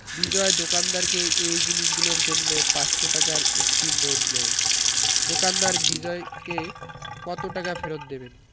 বিজয় দোকানদারকে এই জিনিসগুলোর জন্য ৫০০ টাকার একটি নোট দেয় দোকানদার বিজয়কে কত টাকা ফেরত দেবেন